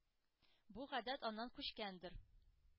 Бу гадәт аннан күчкәндер.